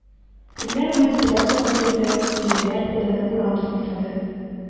Көннәр буе сөрән сугып йөрде, җилләр куды, урам таптады.